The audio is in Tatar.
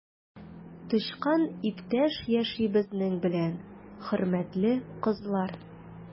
Тычкан иптәш яши безнең белән, хөрмәтле кызлар!